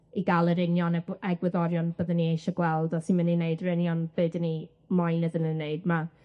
i ga'l yr union egwy- egwyddorion byddwn ni eisie gweld a sy'n myn' i neud yr union be' 'dyn ni moyn iddyn nw wneud ma'...